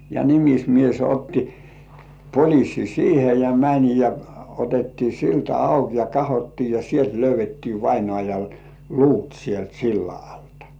ja nimismies otti poliisin siihen ja meni ja otettiin silta auki ja katsottiin ja sieltä löydettiin vainajan luut sieltä sillan alta